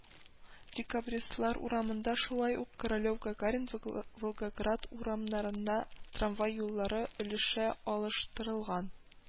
Декабристлар урамында, шулай ук Королев-Гагарин, Волгоград урамнарында трамвай юллары өлешчә алыштырылган